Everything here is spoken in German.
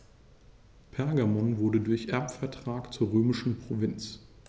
Pergamon wurde durch Erbvertrag zur römischen Provinz.